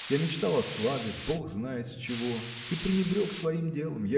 Я мечтал о славе, бог знает с чего, и пренебрег своим делом